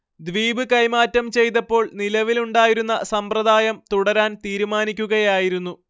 ദ്വീപ് കൈമാറ്റം ചെയ്തപ്പോൾ നിലവിലുണ്ടായിരുന്ന സമ്പ്രദായം തുടരാൻ തീരുമാനിക്കുകയായിരുന്നു